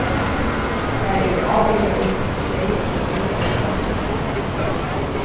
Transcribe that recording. tær eru ávikavist sjey og tvey ára gamlar